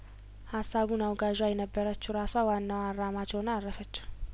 ሀሳቡን አውጋዧ የነበረችው እረሷ ዋናዋ አራማጅ ሆና አረፈችው